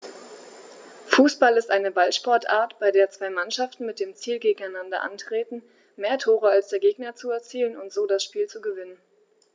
Fußball ist eine Ballsportart, bei der zwei Mannschaften mit dem Ziel gegeneinander antreten, mehr Tore als der Gegner zu erzielen und so das Spiel zu gewinnen.